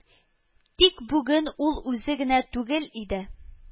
Тик бүген ул үзе генә түгел иде